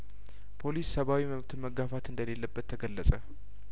ፖሊስ ሰባዊ መብትን መጋፋት እንደሌለበት ተገለጸ